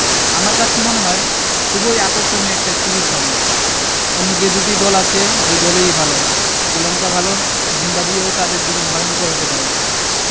আমার কাছে মনে হয় খুবই আকর্ষণীয় একটা সিরিজ হবে অন্য যে দুটি দল আছে দুই দলই ভালো শ্রীলঙ্কা ভালো জিম্বাবুয়েও তাদের দিনে ভয়ংকর হতে পারে